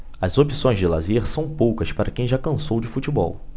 as opções de lazer são poucas para quem já cansou de futebol